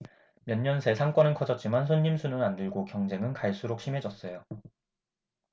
몇 년 새 상권은 커졌지만 손님 수는 안 늘고 경쟁은 갈수록 심해졌어요